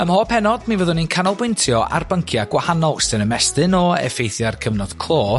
Ym mhob pennod mi fyddwn i'n canolbwyntio ar bynciau' gwahanol sy'n ymestyn o effeithiau'r cyfnod clo